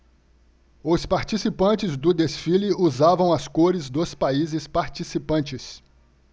os participantes do desfile usavam as cores dos países participantes